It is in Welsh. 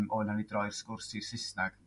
O nawn ni droi'r sgwrs i Susunag.